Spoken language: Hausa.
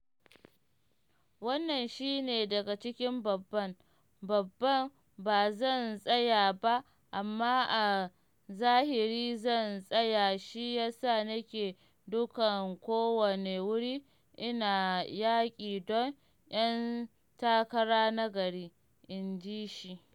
Wannan shi ne daga cikin babban, babban - Ba zan tsaya ba amma a zahiri zan tsaya shi ya sa nake dukkan kowane wuri ina yaƙi don ‘yan takara na gari,” inji shi.